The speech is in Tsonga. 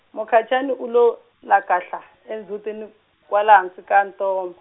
Mukhacani u lo, lakahla endzhutini, kwala hansi ka ntoma.